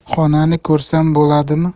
xonani ko'rsam bo'ladimi